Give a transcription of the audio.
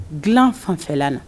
Dilan fanfɛla na